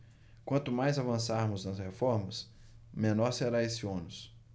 quanto mais avançarmos nas reformas menor será esse ônus